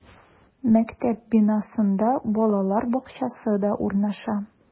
Мәктәп бинасында балалар бакчасы да урнаша.